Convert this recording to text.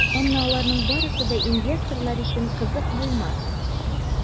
Әмма аларның барысы да инвесторлар өчен кызык булмас.